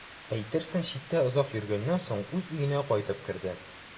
Әйтерсең, читтә озак йөргәннән соң үз өенә кайтып керде.